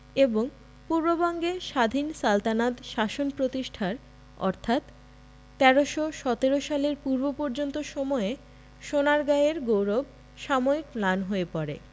এবং পূর্ববঙ্গে স্বাধীন সালতানাত শাসন প্রতিষ্ঠার অর্থাৎ ১৩১৭ সালের পূর্ব পর্যন্ত সময়ে সোনারগাঁয়ের গৌরব সাময়িক ম্লান হয়ে পড়ে